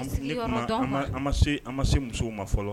Ne kuma an ma se muso ma fɔlɔ